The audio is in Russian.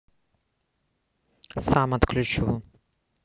сам отключу